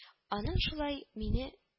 Аның шулай мине